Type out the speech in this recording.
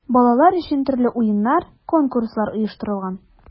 Балалар өчен төрле уеннар, конкурслар оештырылган.